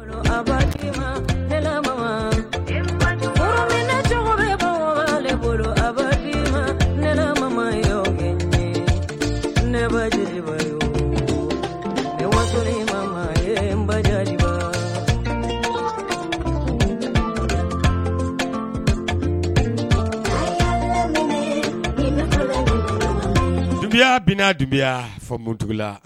Aba maba ma ne ma ma juguyaya bna juguyabiya fa npogougu la